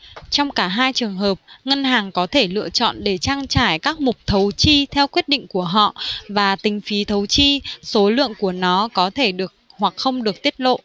trong cả hai trường hợp ngân hàng có thể lựa chọn để trang trải các mục thấu chi theo quyết định của họ và tính phí thấu chi số lượng của nó có thể được hoặc không được tiết lộ